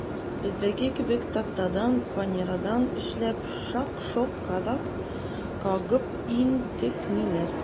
Бездәге кебек тактадан, фанерадан эшләп, шак-шок кадак кагып интекмиләр.